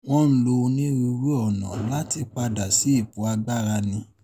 ”Wọ́n ń lo onírúurú ọ̀nà láti padà sí ipò agbára ni.